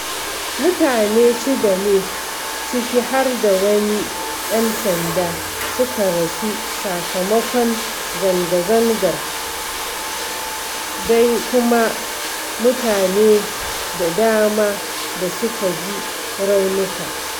Mutane shida ne ciki har da wani ɗan sanda suka rasu sakamakon zanga-zangar, sdai kuma mutane da dama da suka ji raunika.